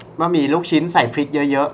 บะหมี่ลูกชิ้นใส่พริกเยอะเยอะ